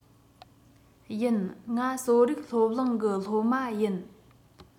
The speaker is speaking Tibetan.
ཡིན ང གསོ རིག སློབ གླིང གི སློབ མ ཡིན